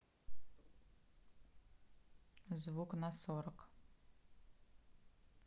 звук на сорок